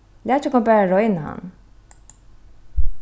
latið okkum bara royna hann